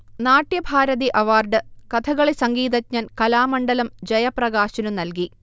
Natyabharati award Kathakali സംഗീതജ്ഞൻ കലാമണ്ഡലം ജയപ്രകാശിന് നൽകി